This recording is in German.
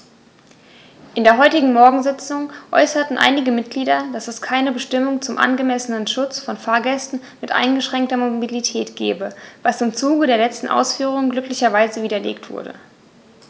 In der heutigen Morgensitzung äußerten einige Mitglieder, dass es keine Bestimmung zum angemessenen Schutz von Fahrgästen mit eingeschränkter Mobilität gebe, was im Zuge der letzten Ausführungen glücklicherweise widerlegt wurde.